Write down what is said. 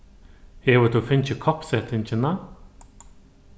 hevur tú fingið koppsetingina